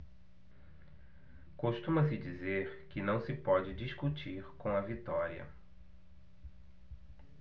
costuma-se dizer que não se pode discutir com a vitória